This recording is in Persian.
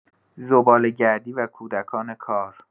زباله‌گردی و کودکان کار